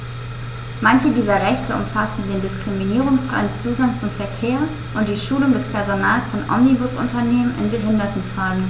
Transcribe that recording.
Manche dieser Rechte umfassen den diskriminierungsfreien Zugang zum Verkehr und die Schulung des Personals von Omnibusunternehmen in Behindertenfragen.